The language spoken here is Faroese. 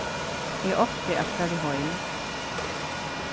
eg átti at farið heim